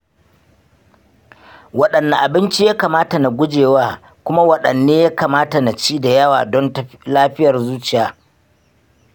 waɗanne abinci ya kamata na gujewa kuma waɗanne ya kamata na ci da yawa don lafiyar zuciya?